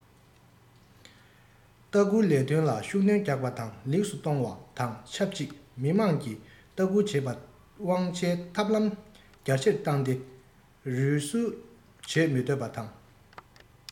ལྟ སྐུལ ལས དོན ལ ཤུགས སྣོན རྒྱག པ དང ལེགས སུ གཏོང བ དང ཆབས ཅིག མི དམངས ཀྱིས ལྟ སྐུལ བྱེད པའི དབང ཆའི ཐབས ལམ རྒྱ ཆེར བཏང སྟེ རུལ སུངས བྱེད མི འདོད པ དང